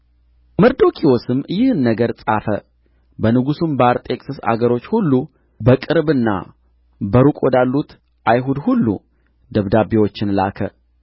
መርዶክዮስም ይህን ነገር ጻፈ በንጉሡም በአርጤክስስ አገሮች ሁሉ በቅርብና በሩቅ ወዳሉት አይሁድ ሁሉ ደብዳቤዎችን ላከ